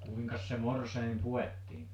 kuinkas se morsian puettiin